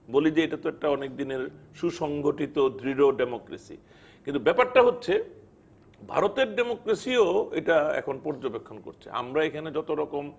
বলি যে এটাতো একটা অনেকদিনের সুসংগঠিত দৃঢ় ডেমোক্রেসি কিন্তু ব্যাপারটা হচ্ছে ভারতের ডেমোক্রেসি'ও এইটা এখন পর্যবেক্ষণ করছে আমরা এখানে যতরকম